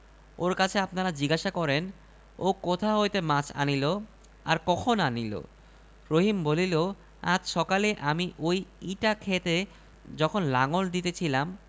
ওর কাছে আপনারা জিজ্ঞাসা করেন ও কোথা হইতে মাছ আনিল আর কখন আনিল রহিম বলিল আজ সকালে আমি ঐ ইটা ক্ষেতে যখন লাঙল দিতেছিলাম